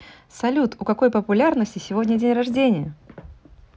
салют у какой популярности сегодня день рождения